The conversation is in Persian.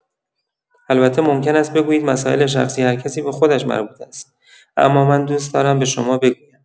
البته ممکن است بگویید مسائل شخصی هرکسی به خودش مربوط است، اما من دوست دارم به شما بگویم.